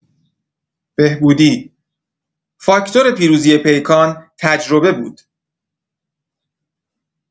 بهبودی: فاکتور پیروزی پیکان تجربه بود!